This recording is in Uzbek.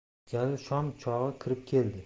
jalil shom chog'i kirib keldi